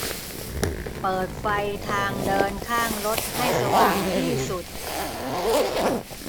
เปิดไฟทางเดินข้างรถให้สว่างที่สุด